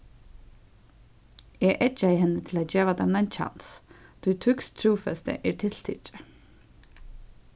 eg eggjaði henni til at geva teimum ein kjans tí týskt trúfesti er tiltikið